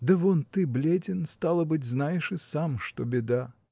— Да вон ты бледен, стало быть, знаешь и сам, что беда.